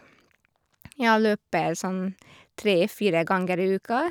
Jeg løper sånn tre fire ganger i uka.